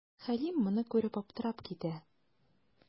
Хәлим моны күреп, аптырап китә.